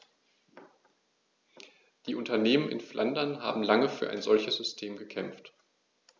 Die Unternehmen in Flandern haben lange für ein solches System gekämpft.